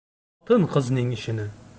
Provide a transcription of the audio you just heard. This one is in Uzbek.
xotin qizning ishini